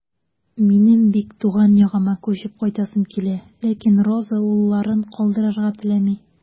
Минем бик туган ягыма күчеп кайтасым килә, ләкин Роза улларын калдырырга теләми.